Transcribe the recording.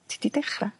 Ti 'di dechra.